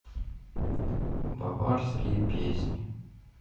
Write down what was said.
баварские песни